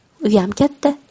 uyam katta